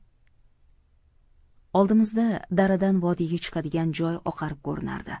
oldimizda daradan vodiyga chiqadigan joy oqarib ko'rinardi